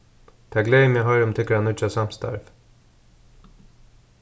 tað gleðir meg at hoyra um tykkara nýggja samstarv